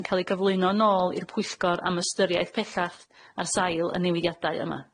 yn ca'l i gyflwyno nôl i'r pwyllgor am ystyriaeth pellach ar sail y newidiadau yma.